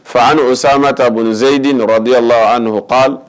Fa a o san ma ta bonzeyi diɔrɔdiya la a nɔgɔ